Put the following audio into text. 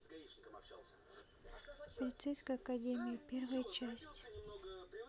полицейская академия первая часть